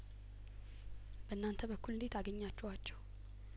በእናንተ በኩል እንዴት አገኛችኋቸው